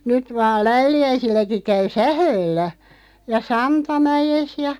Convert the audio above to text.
nyt vain Läyliäisilläkin käy sähköllä ja Santamäessä ja